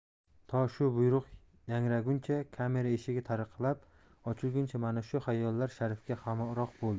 to shu buyruq yangraguncha kamera eshigi taraqlab ochilguncha mana shu xayollar sharifga hamroh bo'ldi